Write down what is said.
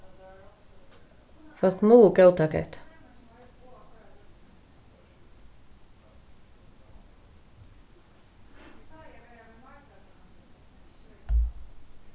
fólk mugu góðtaka hetta